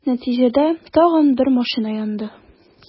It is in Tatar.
Нәтиҗәдә, тагын бер машина янды.